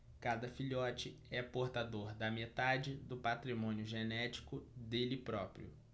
cada filhote é portador da metade do patrimônio genético dele próprio